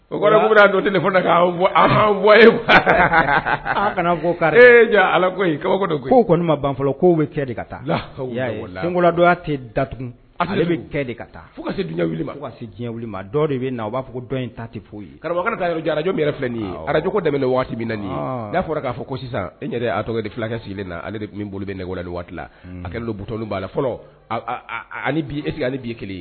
O g' a kana ko e ala kabado ko ma ban ko bɛ de ka taadɔ tɛ dat a bɛ de ka taa fo diɲɛ de bɛ a b'a fɔ dɔn in ta tɛ foyi ye jaraj yɛrɛ filɛ nin ye araj dɛmɛ waati min na y'a fɔra k'a fɔ ko sisan e yɛrɛ a tɔgɔ de fulakɛ sigilen na ale de tun bolo bɛ ne la waati a don but b' la fɔlɔ eti bi kelen ye